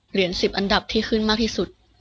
เหรียญสิบอันดับที่ขึ้นมากที่สุด